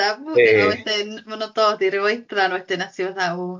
a... Ie. ...wedyn ma' nhw'n dod i ryw oedran wedyn a ti fatha w-